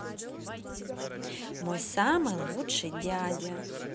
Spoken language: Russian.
мой самый лучший дядя